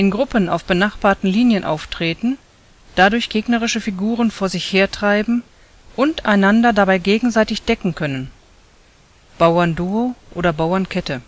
Gruppen auf benachbarten Linien auftreten, dadurch gegnerische Figuren vor sich hertreiben und einander dabei gegenseitig decken können (Bauernduo oder Bauernkette